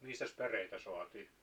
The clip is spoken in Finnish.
mistäs päreitä saatiin